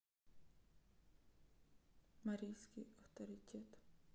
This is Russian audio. марийский авторитета